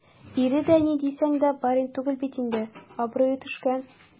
Ире дә, ни дисәң дә, барин түгел бит инде - абруе төшкән.